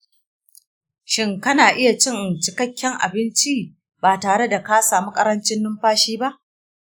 shin kana iya cin cikakken abinci ba tare da ka samu ƙarancin numfashi ba?